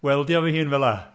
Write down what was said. Weldio fi hun fel 'na?